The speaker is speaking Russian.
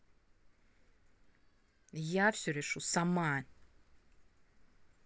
я все решу сама